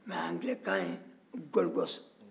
mɛ a angilɛ kan ye gold cost